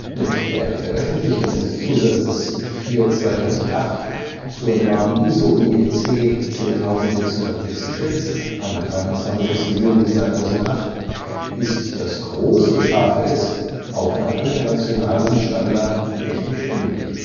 Mit der Veröffentlichung des Zusatzes 4:2008 zur Norm ISO/IEC 10646 am 23. Juni 2008 ist das große ß auch nach internationalem Standard technisch möglich